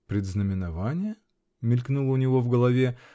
предзнаменование?" -- мелькнуло у него в голове